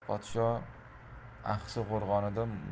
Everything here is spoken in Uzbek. podsho axsi qo'rg'onida